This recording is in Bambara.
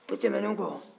o tɛmɛne kɔ